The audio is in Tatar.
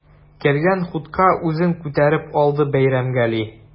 Кергән хутка үзен күтәреп алды Бәйрәмгали.